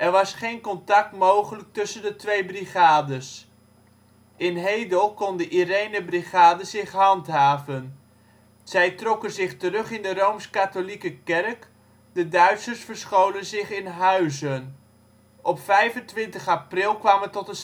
was geen contact mogelijk tussen de twee Brigades. In Hedel kon de Irene Brigade zich handhaven. Zij trokken zich terug in de R.K. kerk, de Duitsers verscholen zich in de huizen. Op 25 april kwam het tot een straatgevecht